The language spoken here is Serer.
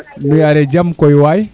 nu yaare jam koy waay